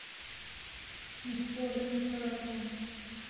местоположение саратова